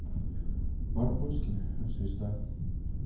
барбоскины звезда